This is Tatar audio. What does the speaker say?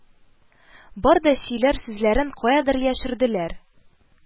Бар да сөйләр сүзләрен каядыр яшерделәр